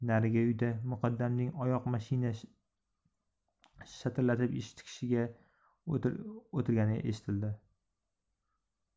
narigi uyda muqaddamning oyoq mashina shatillatib ish tikishga o'tir o'tirgani eshitildi